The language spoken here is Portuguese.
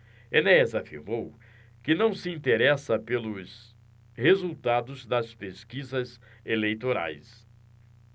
enéas afirmou que não se interessa pelos resultados das pesquisas eleitorais